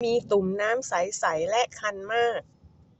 มีตุ่มน้ำใสใสและคันมาก